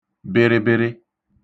bịrịbịrị